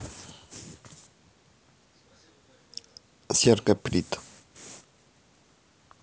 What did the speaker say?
серега пират